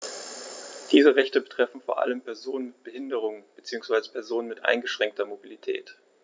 Diese Rechte betreffen vor allem Personen mit Behinderung beziehungsweise Personen mit eingeschränkter Mobilität.